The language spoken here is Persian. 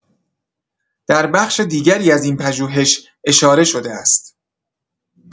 در بخش دیگری از این پژوهش اشاره‌شده است